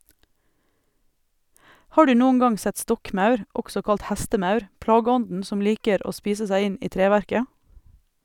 Har du noen gang sett stokkmaur, også kalt hestemaur, plageånden som liker å spise seg inn i treverket?